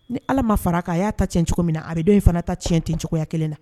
Ni ala ma fara a kan a y'a ta cɛn cogo min na a bɛ don in fana ta cɛn ten cogoyaya kelen na